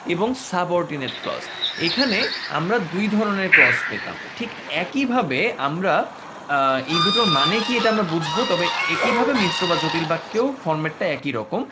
এবং subordinate clause এখানে আমরা দুই ধরনের ক্লস পেতাম ঠিক একইভাবে আমরা এই দুটোর মানে কি এটা আমরা বুঝব তবে একইভাবে মিশ্র বা জটিল বাক্যে ও ফরম্যাট টা একই রকম